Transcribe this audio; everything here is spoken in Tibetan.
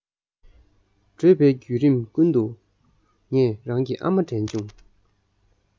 བྲོས པའི བརྒྱུད རིམ ཀུན ཏུ ངས རང གི ཨ མ དྲན བྱུང